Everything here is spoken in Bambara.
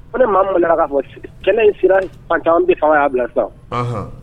Ko ni maa ma'a fɔ kɛlɛ in sira fantan an bɛ fanga y'a bila sa